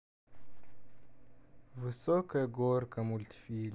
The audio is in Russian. высокая горка мультфильм